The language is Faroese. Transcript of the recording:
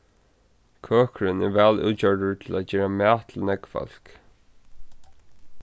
køkurin er væl útgjørdur til at gera mat til nógv fólk